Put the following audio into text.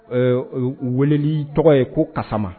U weleli tɔgɔ ye ko kaaama